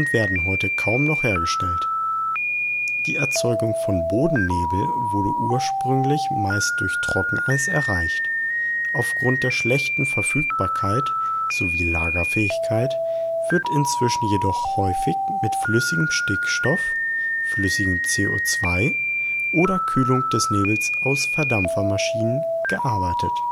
werden heute kaum noch hergestellt. Die Erzeugung von Bodennebel wurde ursprünglich meist durch Trockeneis erreicht. Aufgrund der schlechten Verfügbarkeit sowie Lagerfähigkeit wird inzwischen jedoch häufig mit flüssigem Stickstoff, flüssigem CO2 (aus Druckbehältern, daher unbegrenzt lagerfähig im Gegensatz zu Trockeneis) oder Kühlung des Nebels aus Verdampfermaschinen gearbeitet